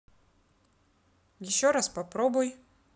еще раз попробуй